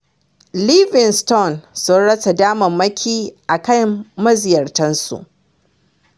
Livingston sun rasa damammaki a kan maziyartansu